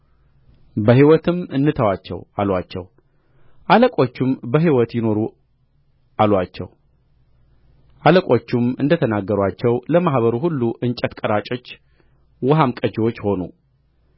በሕይወትም እንተዋቸው አሉአቸው አለቆቹም በሕይወት ይኑሩ አሉአቸው አለቆቹም እንደ ተናገሩአቸው ለማኅበሩ ሁሉ እንጨት ቆራጮች ውኃም ቀጂዎች ሆኑ